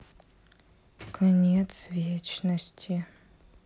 конец вечности